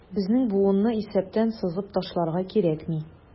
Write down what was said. Безнең буынны исәптән сызып ташларга кирәкми.